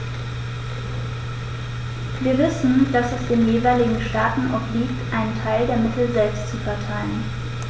Wir wissen, dass es den jeweiligen Staaten obliegt, einen Teil der Mittel selbst zu verteilen.